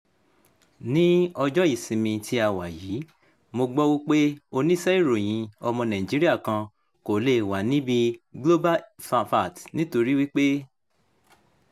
Ní ọjọ́ ìsinmi tí a wà yìí, mo gbọ́ wípé oníṣẹ́-ìròyìn ọmọ Nàìjíríà kan kò le è wà níbí GlobalFact nítorí wípé kò ní ìwé ìrìnnà.